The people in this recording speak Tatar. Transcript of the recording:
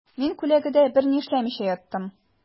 Мин күләгәдә берни эшләмичә яттым.